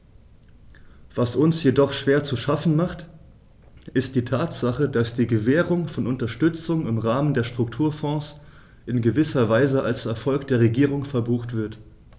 Was uns jedoch schwer zu schaffen macht, ist die Tatsache, dass die Gewährung von Unterstützung im Rahmen der Strukturfonds in gewisser Weise als Erfolg der Regierung verbucht wird.